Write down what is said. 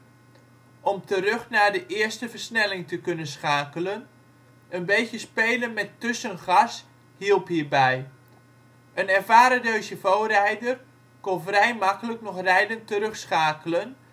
terug naar de eerste versnelling te kunnen schakelen, een beetje spelen met tussengas hielp hier bij. Een ervaren 2CV-rijder kon vrij makkelijk nog rijdend terugschakelen